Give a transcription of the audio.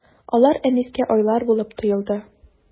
Алар Әнискә айлар булып тоелды.